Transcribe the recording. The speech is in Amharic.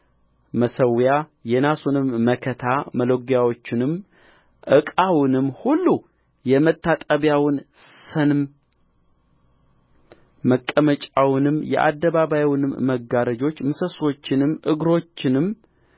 መሠዊያ የናሱንም መከታ መሎጊያዎቹንም ዕቃውንም ሁሉ የመታጠቢያውን ሰንም መቀመጫውንም የአደባባዩንም መጋረጆች ምሰሶቹንም እግሮቹንም